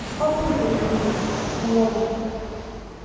Гафу итегез инде, балалар...